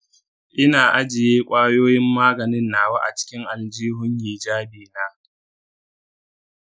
ina ajiye kwayoyin maganin nawa a cikin aljihun hijabi na.